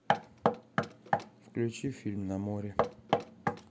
включи фильм на море